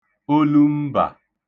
olumbà